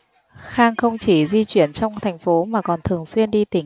khang không chỉ di chuyển trong thành phố mà còn thường xuyên đi tỉnh